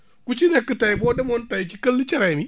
ku ci nekk tey boo demoon tey ci këll cereem yi